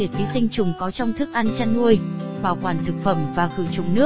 diệt ký sinh trùng có trong thức ăn chăn nuôi bảo quản thực phẩm và khử trùng cho nước